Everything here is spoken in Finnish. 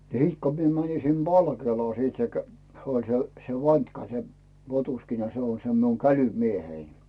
niin sitten kun minä menin sinne Valkeelaan sitten se - oli se se vantka se potuskina se on se minun kälymieheni